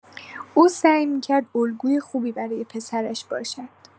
او سعی می‌کرد الگوی خوبی برای پسرش باشد.